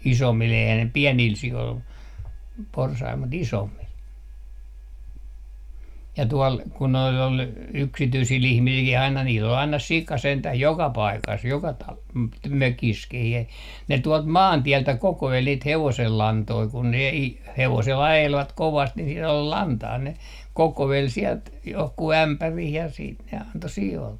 isommille eihän ne pienille sioille porsaille mutta isommille ja tuolla kun noilla oli yksityisillä ihmisilläkin aina niillä oli aina sika sentään joka paikassa joka -- mökissäkin - ne tuolta maantieltä kokoili niitä hevosenlantoja kun ne - hevosella ajelivat kovasti niin siellä oli lantaa ne kokoili sieltä johonkin ämpäriin ja sitten ne antoi sioille